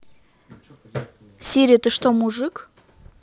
сири ты что мужик